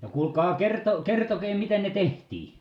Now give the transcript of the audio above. no kuulkaa - kertokaa miten ne tehtiin